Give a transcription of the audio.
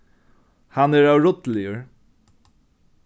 hann er óruddiligur